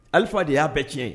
Alifa de y'a bɛɛ tiɲɛ ye